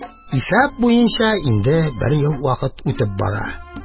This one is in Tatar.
Исәп буена инде бер ел вакыт үтеп бара.